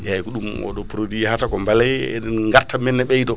eyyi ko ɗum oɗo produit yahata ko balee eɗen gartam men ne ɓeydo